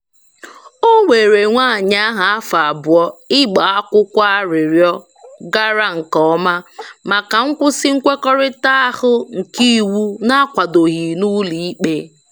O were nwaanyị ahụ afọ abụọ ịgba akwụkwọ arịrịọ gara nke ọma maka nkwụsị nkwekọrịta ahụ nke iwu na-akwadoghị n'ụlọ ikpe.